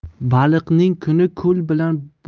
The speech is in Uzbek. baliqning kuni ko'l bilan